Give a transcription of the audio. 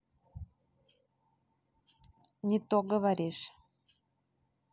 не то говоришь